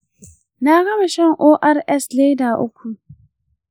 na gama shan ors leda uku.